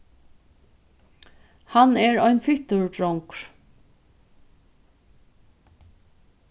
hann er ein fittur drongur